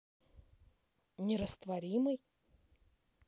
нерастворимый